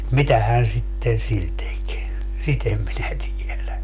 mitähän sitten sillä teki sitä en minä tiedä